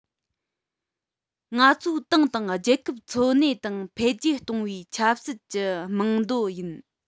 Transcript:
ང ཚོའི ཏང དང རྒྱལ ཁབ འཚོ གནས དང འཕེལ རྒྱས གཏོང བའི ཆབ སྲིད ཀྱི རྨང རྡོ ཡིན